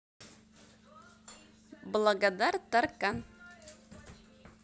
благодар таркан